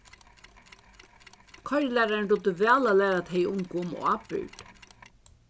koyrilærarin dugdi væl at læra tey ungu um ábyrgd